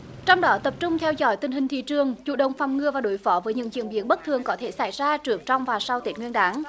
trong đó tập trung theo dõi tình hình thị trường chủ động phòng ngừa và đối phó với những diễn biến bất thường có thể xảy ra trước trong và sau tết nguyên đán